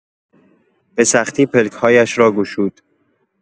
به‌سختی پلک‌هایش را گشود.